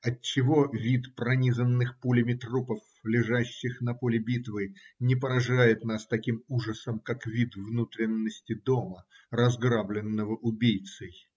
Отчего вид пронизанных пулями трупов, лежащих на поле битвы, не поражает нас таким ужасом, как вид внутренности дома, разграбленного убийцей?